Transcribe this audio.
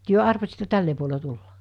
te arvasitte tälle puolen tulla